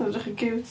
Edrych yn ciwt.